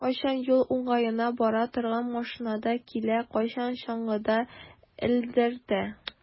Кайчан юл уңаена бара торган машинада килә, кайчан чаңгыда элдертә.